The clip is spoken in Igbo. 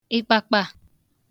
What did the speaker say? ịkpakpa